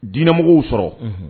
Diinɛmɔgɔw sɔrɔ, unbhun